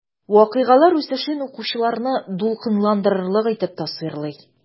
Вакыйгалар үсешен укучыларны дулкынландырырлык итеп тасвирлый.